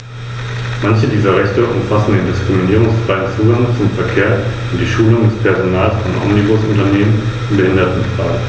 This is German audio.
Dabei darf es nicht angehen, dass - wie es anscheinend die Absicht der Mitgliedsstaaten ist - Europa überhaupt nicht mehr in Erscheinung tritt.